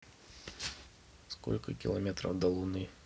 сколько километров до луны